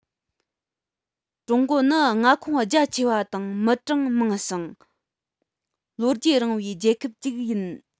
ཀྲུང གོ ནི མངའ ཁོངས རྒྱ ཆེ བ དང མི གྲངས མང ཞིང ལོ རྒྱུས རིང བའི རྒྱལ ཁབ ཅིག ཡིན